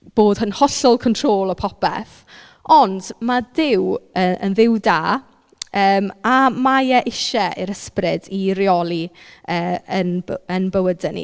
Bod yn hollol control o popeth ond ma' Duw yy yn dduw da yym a mae e isie yr ysbryd i reoli yy ein b- ein bywydau ni.